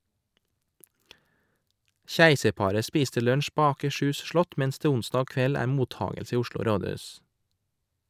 Keiserparet spiste lunsj på Akershus slott, mens det onsdag kveld er mottakelse i Oslo rådhus.